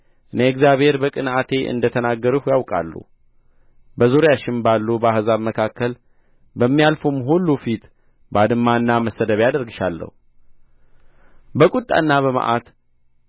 እኔ እግዚአብሔር በቅንዓቴ እንደ ተናገርሁ ያውቃሉ በዙሪያሽም ባሉ በአሕዛብ መካከል በሚያልፉም ሁሉ ፊት ባድማና መሰደቢያ አደርግሻለሁ በቍጣና በመዓት